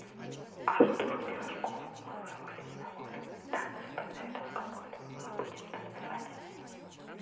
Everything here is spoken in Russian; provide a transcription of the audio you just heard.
артур пирожков мы вырвались на волю танцы падают алкоголем мы будем танцевать